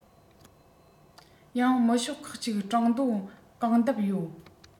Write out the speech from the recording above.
ཡང མི ཤོག ཁག ཅིག བྲང རྡུང རྐང རྡབ ཡོད